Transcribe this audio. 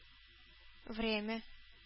Время